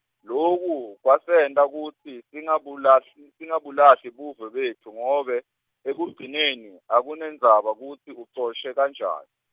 loku kwasenta kutsi singabulahli singabulahli buve betfu ngobe, ekugcineni akunendzaba kutsi ucoshe kanjani.